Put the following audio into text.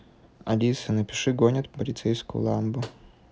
алиса напиши гонят полицейскую ламбо